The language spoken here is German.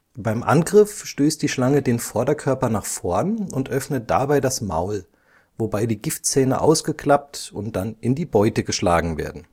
Beim Angriff stößt die Schlange den Vorderkörper nach vorn und öffnet dabei das Maul, wobei die Giftzähne ausgeklappt und dann in die Beute geschlagen werden